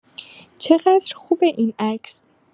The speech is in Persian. چقدر خوبه این عکس